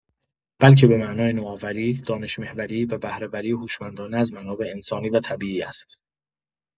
بلکه به معنای نوآوری، دانش‌محوری و بهره‌وری هوشمندانه از منابع انسانی و طبیعی است.